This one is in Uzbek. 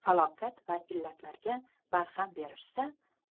falokat va illatlarga barham berishsa